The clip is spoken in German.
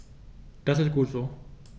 Das ist gut so.